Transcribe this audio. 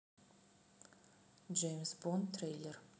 джеймс бонд трейлер